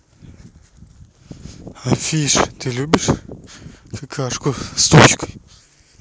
афина ты любишь какашку с точкой